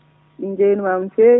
min jewnimaama no feewi